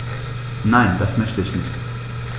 Nein, das möchte ich nicht.